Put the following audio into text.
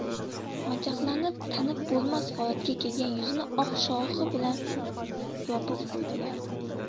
majaqlanib tanib bo'lmas holatga kelgan yuzini oq shohi bilan yopib qo'ydilar